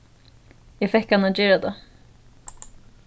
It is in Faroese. eg fekk hann at gera tað